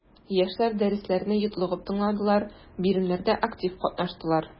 Яшьләр дәресләрне йотлыгып тыңладылар, биремнәрдә актив катнаштылар.